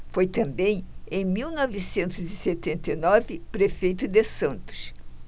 foi também em mil novecentos e setenta e nove prefeito de santos